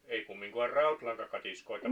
ei kumminkaan rautalankakatiskoita